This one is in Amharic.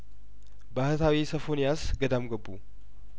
ባህታዊ ሶፎንያስ ገዳም ገቡ